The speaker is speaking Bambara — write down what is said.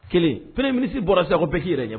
Kelen pere minisi bɔra sa bɛɛ kkii yɛrɛ ɲɛ